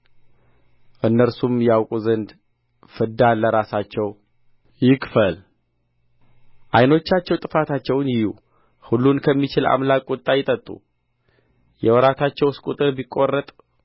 እነርሱ ያውቁ ዘንድ ፍዳን ለራሳቸው ይክፈል ዓይኖቻቸው ጥፋታቸውን ይዩ ሁሉን ከሚችል አምላክ ቍጣ ይጠጡ የወራታቸውስ ቍጥር ቢቈረጥ